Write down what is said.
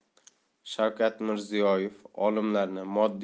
shavkat mirziyoyev olimlarni moddiy va